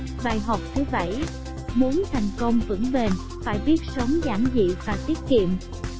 bài học thứ muốn thành công vững bền phải biết sống giản dị và tiết kiệm